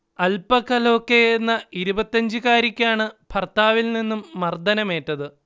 അൽപ കലോഖെ എന്ന ഇരുപത്തഞ്ച്കാരിക്കാണ് ഭർത്താവിൽ നിന്നും മർദ്ദനമേറ്റത്